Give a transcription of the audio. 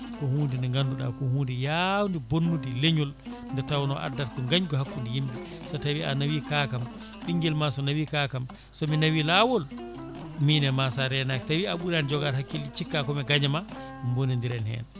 ko hunde nde ganduɗa ko hunde yawde bonnude leeñol nde tawno addata ko gañgu hakku yimɓe so tawi a nawi kaakam ɓinguel ma so nawi kaakam somi nawi lawol min e ma sa renaki so tawi a ɓuurani jogade hakkille cikka komi gaañoma bonodiren hen